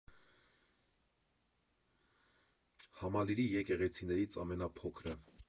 Համալիրի եկեղեցիներից ամենափոքրը։